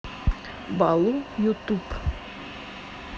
балу ютуб